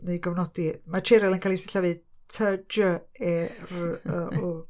neu ei gofnodi. Ma' Tjeryl yn cael ei sillafu TJERYL.